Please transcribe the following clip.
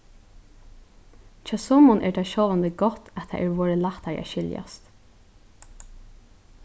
hjá summum er tað sjálvandi gott at tað er vorðið lættari at skiljast